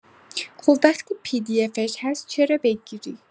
خب وقتی پی دی افش هست چرا بگیری